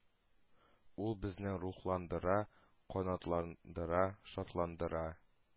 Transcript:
Ул безне рухландыра, канатландыра, шатландыра,